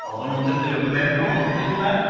Oedden nhw'n defnyddio memrwn. T'bo 'di hynna?